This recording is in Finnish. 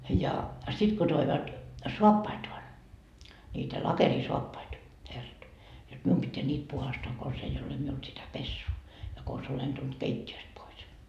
ja sitten kun toivat saappaitaan niitä lakeerisaappaita herrat jotta minun pitää niitä puhdistaa konsa ei ole minulla sitä pesua ja konsa olen tullut keittiöstä pois